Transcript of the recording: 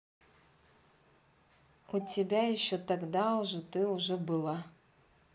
у тебя еще тогда уже ты уже была